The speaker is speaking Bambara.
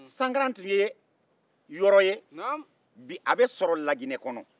sankaran tun ye yɔrɔ ye bi a bɛ sɔrɔ laginɛ kɔnɔ